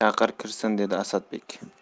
chaqir kirsin dedi asadbek